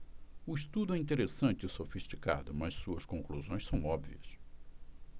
o estudo é interessante e sofisticado mas suas conclusões são óbvias